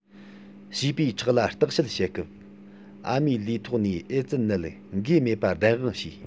བྱིས པའི ཁྲག ལ བརྟག དཔྱད བྱེད སྐབས ཨ མའི ལུས ཐོག ནས ཨེ ཙི ནད འགོས མེད པ བདེན དཔང བྱས